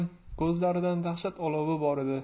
ko'zlarida dahshat olovi bor edi